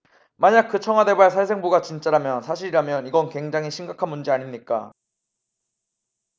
만약 그 청와대발 살생부가 진짜라면 사실이라면 이건 굉장히 심각한 문제 아닙니까